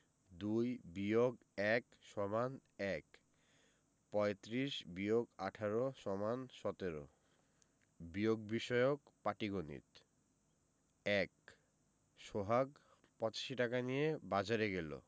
২ - ১ =১ ৩৫ – ১৮ = ১৭ বিয়োগ বিষয়ক পাটিগনিত ১ সোহাগ ৮৫ টাকা নিয়ে বাজারে গেল